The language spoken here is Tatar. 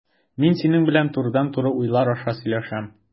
Мин синең белән турыдан-туры уйлар аша сөйләшәм.